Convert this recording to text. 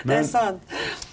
det er sant.